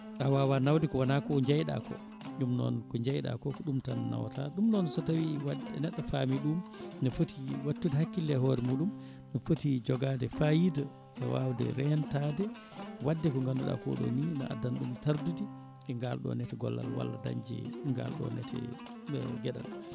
a wawa nawde ko wona ko jeyɗa ko ɗum noon jeyɗa ko ko ɗum tan nawata ɗum noon so tawi neɗɗo faami ɗum ne footi wattude hakkille e hoore muɗum ne footi joogade fayida e wawde rentade wadde ko ganduɗa ko ɗo ni ne addana ɗum tardude e ngal ɗon neete gollal walla dañje ngal ɗon neete e gueɗal